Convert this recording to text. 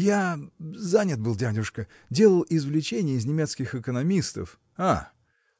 – Я. занят был, дядюшка: делал извлечения из немецких экономистов. – А!